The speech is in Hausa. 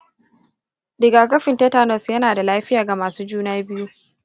rigakafin tetanus yana da lafiya ga masu juna biyu.